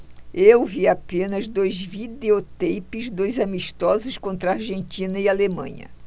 eu vi apenas dois videoteipes dos amistosos contra argentina e alemanha